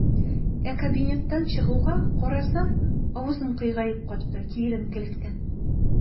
Ә кабинеттан чыгуга, карасам - авызым кыегаеп катты, киеренкелектән.